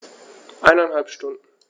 Eineinhalb Stunden